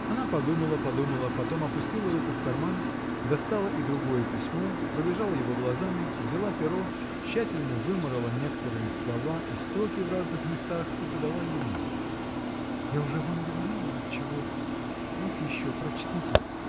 Она подумала, подумала, потом опустила руку в карман, достала и другое письмо, пробежала его глазами, взяла перо, тщательно вымарала некоторые слова и строки в разных местах и подала ему: — Я уж вам говорила — отчего: вот еще — прочтите!